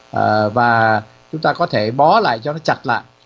ờ và chúng ta có thể bó lại cho nó chặt lại